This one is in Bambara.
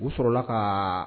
U sɔrɔla ka